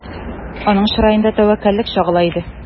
Аның чыраенда тәвәккәллек чагыла иде.